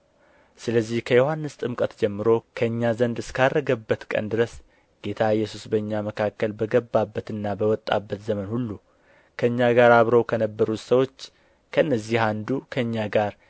ስለዚህ ከዮሐንስ ጥምቀት ጀምሮ ከእኛ ዘንድ እስካረገበት ቀን ድረስ ጌታ ኢየሱስ በእኛ መካከል በገባበትና በወጣበት ዘመን ሁሉ ከእኛ ጋር አብረው ከነበሩት ሰዎች ከእነዚህ አንዱ ከእኛ ጋር